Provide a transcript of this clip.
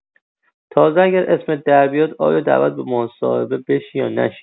تازه اگر اسمت دربیاد آیا دعوت به مصاحبه بشی یا نشی.